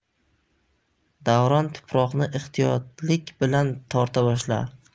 davron tuproqni ehtiyotlik bilan torta boshladi